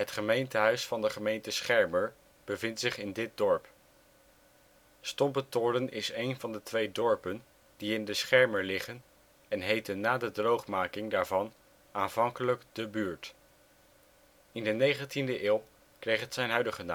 gemeentehuis van de gemeente Schermer bevindt zich in dit dorp. Stompetoren is een van de twee dorpen die in de Schermer liggen en heette na de droogmaking daarvan aanvankelijk De Buurt. In de negentiende eeuw kreeg het zijn huidige